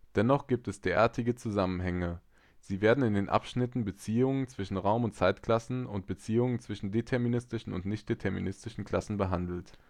Dennoch gibt es derartige Zusammenhänge. Sie werden in den Abschnitten Beziehungen zwischen Raum - und Zeitklassen und Beziehungen zwischen deterministischen und nichtdeterministischen Klassen behandelt